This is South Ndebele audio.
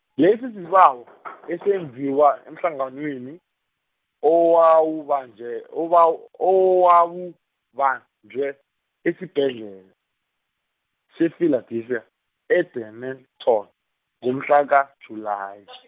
lesisibawo, esenziwa emhlanganweni, owawu- banje- obawu- owawubanjwe esibhedlela, se- Philadelphia, e- Dennilton, ngomhlaka-Julayi .